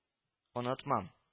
—онытмам